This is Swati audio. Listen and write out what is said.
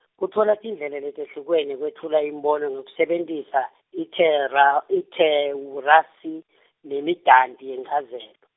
kutfola tindlela letehlukene kwetfula imibono ngekusebentisa ithera- ithesawurasi nemidanti yenchazelo.